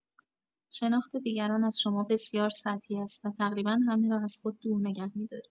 شناخت دیگران از شما بسیار سطحی است و تقریبا همه را از خود دور نگه می‌دارید.